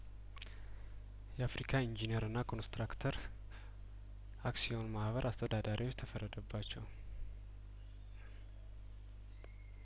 የአፍሪካ ኢንጂን የርና ኮንትራክተርስ አክሲዮን ማህበር አስተዳዳሪዎች ተፈረደባቸው